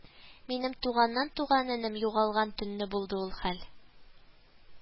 Минем туганнан туган энем югалган төнне булды ул хәл